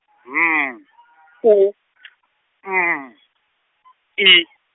M U N I.